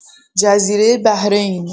جزیره بحرین